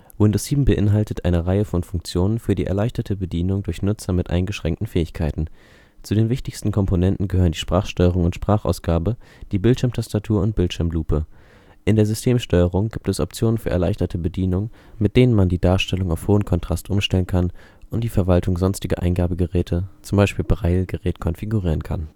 Windows 7 beinhaltet eine Reihe von Funktionen für die erleichterte Bedienung durch Nutzer mit eingeschränkten Fähigkeiten. Zu den wichtigsten Komponenten gehören die Sprachsteuerung und Sprachausgabe, die Bildschirmtastatur und Bildschirmlupe. In der Systemsteuerung gibt es Optionen für erleichterte Bedienung, mit denen man die Darstellung auf hohen Kontrast umstellen kann und die Verwaltung sonstiger Eingabegeräte, z. B. Braille-Gerät, konfigurieren kann